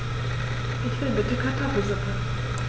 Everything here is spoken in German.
Ich will bitte Kartoffelsuppe.